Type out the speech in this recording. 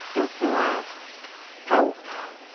D- dylai pawb ...